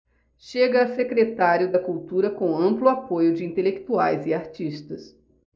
chega a secretário da cultura com amplo apoio de intelectuais e artistas